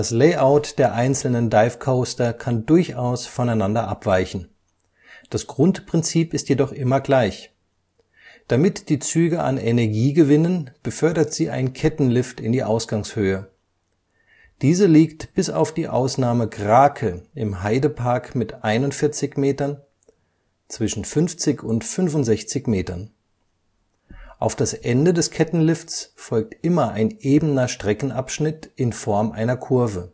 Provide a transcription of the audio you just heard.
Layout der einzelnen Dive Coaster kann durchaus voneinander abweichen. Das Grundprinzip ist jedoch immer gleich. Damit die Züge an Energie gewinnen, befördert sie ein Kettenlift in die Ausgangshöhe. Diese liegt bis auf die Ausnahme Krake im Heide-Park mit 41 Metern, zwischen 50 und 65 Metern. Auf das Ende des Kettenlifts folgt immer ein ebener Streckenabschnitt in Form einer Kurve